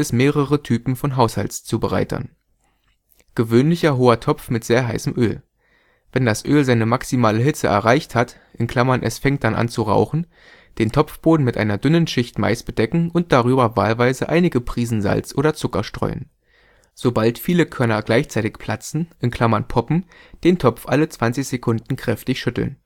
mehrere Typen von Haushaltszubereitern: Gewöhnlicher hoher Topf mit sehr heißem Öl. Wenn das Öl seine maximale Hitze erreicht hat (es fängt dann an zu rauchen), den Topfboden mit einer dünnen Schicht Mais bedecken und darüber wahlweise einige Prisen Salz oder Zucker streuen. Sobald viele Körner gleichzeitig platzen („ poppen “), den Topf alle 20 Sekunden kräftig schütteln